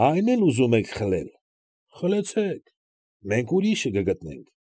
Ա՞յն էլ ուզում եք խլել։ Խլեցե՛ք, մենք ուրիշը կգտնենք։